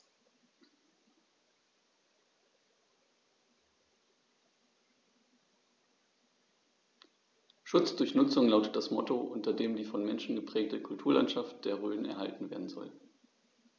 „Schutz durch Nutzung“ lautet das Motto, unter dem die vom Menschen geprägte Kulturlandschaft der Rhön erhalten werden soll.